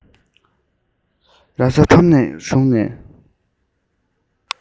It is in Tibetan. ར ས ཁྲོམ གྱི གཞུང ནས